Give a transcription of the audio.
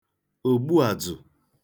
ògbu àdzụ̀